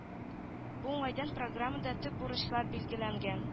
Бу уңайдан программада төп бурычлар билгеләнгән